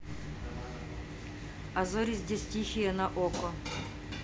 а зори здесь тихие на окко